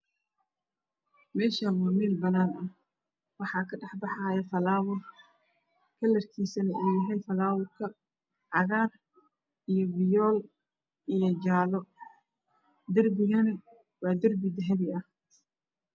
Meshaan waa mel banan ah waxane ka dhex baxayo falawar kalarkisuna u yahay falawarka Cagaar iyo viyool iyo jaalo darbigane waa darbi dahabi ah